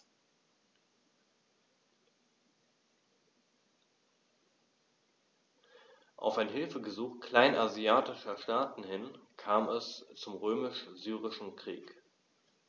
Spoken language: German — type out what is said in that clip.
Auf ein Hilfegesuch kleinasiatischer Staaten hin kam es zum Römisch-Syrischen Krieg.